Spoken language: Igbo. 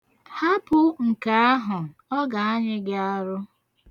Hapụ nke ahụ, ọ ga-anyị gị arụ.